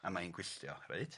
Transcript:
A mae hi'n gwylltio reit?